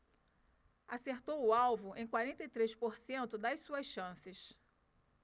acertou o alvo em quarenta e três por cento das suas chances